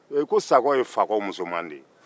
ee ko sakɔ ye fakɔ musoman de ye